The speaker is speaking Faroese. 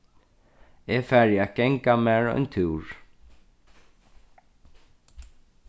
eg fari at ganga mær ein túr